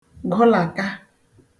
gụlàka